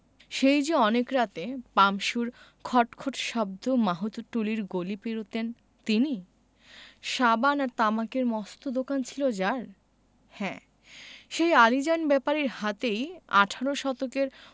সেই যে অনেক রাতে পাম্পসুর খট খট শব্দ মাহুতটুলির গলি পেরুতেন তিনি সাবান আর তামাকের মস্ত দোকান ছিল যার হ্যাঁ সেই আলীজান ব্যাপারীর হাতেই আঠারো শতকের